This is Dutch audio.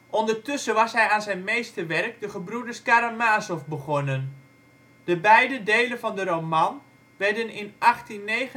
Ondertussen was hij aan zijn meesterwerk De gebroeders Karamazov begonnen. De beide delen van de roman werden in 1879 en 1880